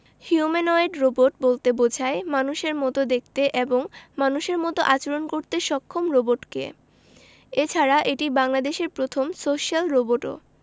humanoid robot বলতে বোঝায় মানুষের মতো দেখতে এবং মানুষের মতো আচরণ করতে সক্ষম রোবটকে এছাড়া এটি বাংলাদেশের প্রথম সোশ্যাল রোবটও